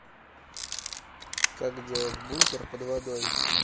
как делать бункер под водой